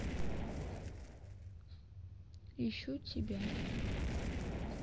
ищу тебя